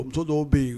O muso dɔw bɛ yen